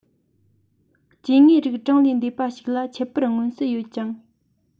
སྐྱེ དངོས རིགས གྲངས ལས འདས པ ཞིག ལ ཁྱད པར མངོན གསལ ཡོད ཀྱང